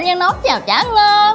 anh nhân nấu món nào chả ngon